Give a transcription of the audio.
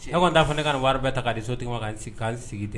E n da fana ne ka wari bɛɛ ta ka di so tɛma kan sigi dɛ